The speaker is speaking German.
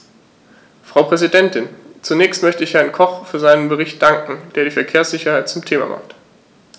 Frau Präsidentin, zunächst möchte ich Herrn Koch für seinen Bericht danken, der die Verkehrssicherheit zum Thema hat.